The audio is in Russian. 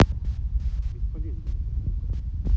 бесполезная эта штука